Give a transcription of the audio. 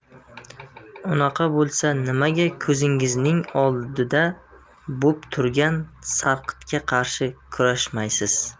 unaqa bo'lsa nimaga ko'zingizning oldida bo'p turgan sarqitga qarshi kurashmaysiz